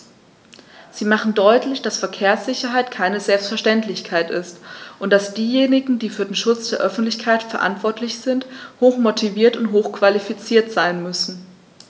Sie machen deutlich, dass Verkehrssicherheit keine Selbstverständlichkeit ist und dass diejenigen, die für den Schutz der Öffentlichkeit verantwortlich sind, hochmotiviert und hochqualifiziert sein müssen.